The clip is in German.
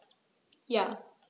Ja.